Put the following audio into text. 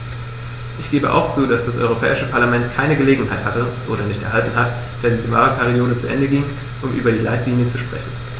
Ich gebe auch zu, dass das Europäische Parlament keine Gelegenheit hatte - oder nicht erhalten hat, da die Wahlperiode zu Ende ging -, um über die Leitlinien zu sprechen.